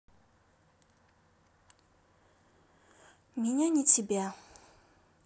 меня не тебя